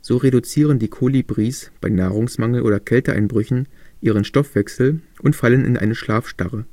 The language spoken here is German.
So reduzieren die Kolibris bei Nahrungsmangel oder Kälteeinbrüchen ihren Stoffwechsel und fallen in eine Schlafstarre